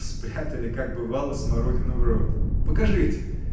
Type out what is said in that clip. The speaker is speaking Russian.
— Спрятали, как, бывало, смородину в рот! Покажите!